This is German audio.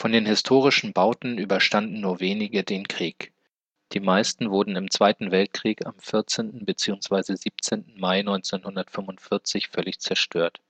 den historischen Bauten überstanden nur wenige den Krieg. Die meisten wurden im Zweiten Weltkrieg am 14. / 17. Mai 1945 völlig zerstört